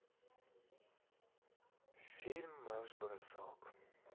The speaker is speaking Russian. фильм марш бросок